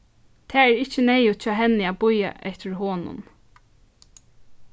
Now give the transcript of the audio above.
tað er ikki neyðugt hjá henni at bíða eftir honum